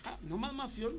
ah normalement si yoon